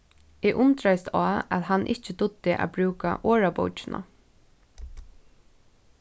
eg undraðist á at hann ikki dugdi at brúka orðabókina